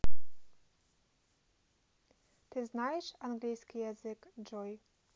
ты знаешь английский язык джой